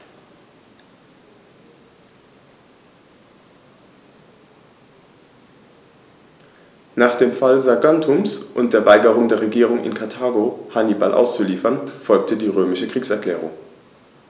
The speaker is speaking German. Nach dem Fall Saguntums und der Weigerung der Regierung in Karthago, Hannibal auszuliefern, folgte die römische Kriegserklärung.